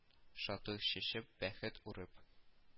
Шатлык чәчеп, бәхет урып